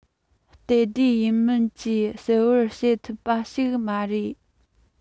སྟབས བདེ ཡིན མིན གྱིས གསལ པོར བཤད ཐུབ པ ཞིག མ རེད